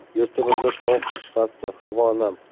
yurtimizda sovuq qish fasli havo